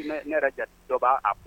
Ne yɛrɛ jatigi dɔ ba